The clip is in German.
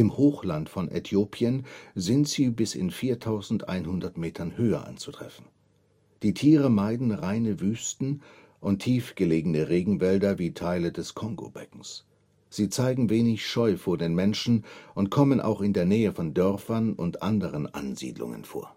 Hochland von Äthiopien sind sie bis in 4100 Metern Höhe anzutreffen. Die Tiere meiden reine Wüsten und tiefgelegene Regenwälder wie Teile des Kongobeckens. Sie zeigen wenig Scheu vor den Menschen und kommen auch in der Nähe von Dörfern und anderen Ansiedlungen vor